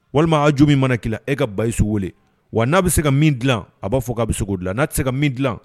Walima a jugu min mana k' e ka basiyisiw weele wa n'a bɛ se ka min dilan a b'a fɔ k a bɛ se k dilan n'a tɛ se ka min dilan